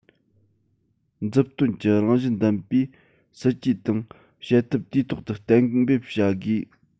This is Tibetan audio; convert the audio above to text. མཛུབ སྟོན གྱི རང བཞིན ལྡན པའི སྲིད ཇུས དང བྱེད ཐབས དུས ཐོག ཏུ གཏན འབེབས བྱ དགོས